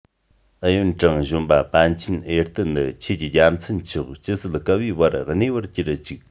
ཨུ ཡོན ཀྲང གཞོན པ པཎ ཆེན ཨེར ཏེ ནི ཆོས ཀྱི རྒྱལ མཚན མཆོག ཇི སྲིད བསྐལ པའི བར གནས པར གྱུར ཅིག